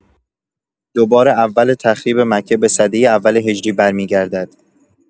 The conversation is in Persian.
دو بار اول تخریب مکه به سدۀ اول هجری برمی‌گردد.